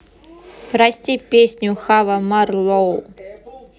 прости песню хава марлоу